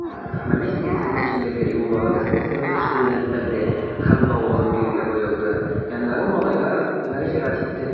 Наместник хезмәтчеләргә юлбарыс рәсеме төшерелгән пәрдә һәм бау алып килергә боерды, ә аннары малайга мөрәҗәгать итте.